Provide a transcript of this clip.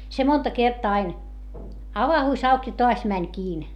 se monta kertaa aina avautui auki ja taas meni kiinni